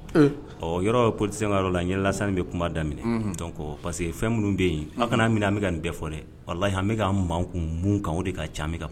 Ɔ yɔrɔ politicien u ka yɔrɔ la n yɛlɛla sani bɛ kuma daminɛ unhun donc parce que fɛn minnu bɛ ye a' kana minɛ an bɛ ka nin bɛɛ fɔ dɛ walahi an bɛ k'an mankun mun kan o de ka can an be ka